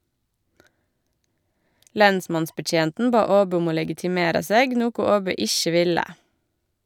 Lensmannsbetjenten bad Åbø om å legitimera seg, noko Åbø ikkje ville.